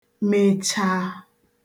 mecha